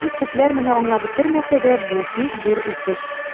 Бик күпләр моны аңлап бетермәсә дә, бу бик зур үсеш.